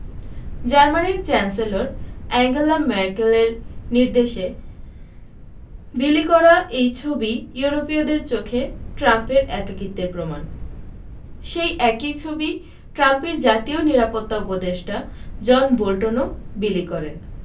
জার্মানির chancellor Angela ম্যার্কেলের নির্দেশে বিলি করা এই ছবি ইউরোপীয়দের চোখে ট্রাম্পের একাকিত্বের প্রমাণ সেই একই ছবি ট্রাম্পের জাতীয় নিরাপত্তা উপদেষ্টা জন বোল্টনও বিলি করেন